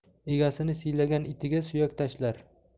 egasini siylagan itiga suyak tashlar